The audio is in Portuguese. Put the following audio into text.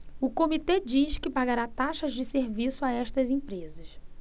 o comitê diz que pagará taxas de serviço a estas empresas